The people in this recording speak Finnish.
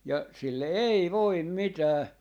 ja sille ei voi mitään